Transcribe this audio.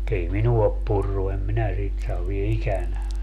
ei minua ole purrut en minä sitä sano vielä ikänä